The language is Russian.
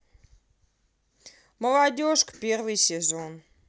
молодежка первый сезон